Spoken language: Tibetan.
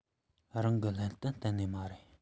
རང གི ལྷམ གདན གཏན ནས མ རེད